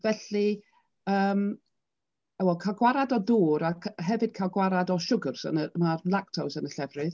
Felly yym wel cael gwared o dŵr ac hefyd cael gwared o siwgr so mae ma'r lactose yn y llefrith.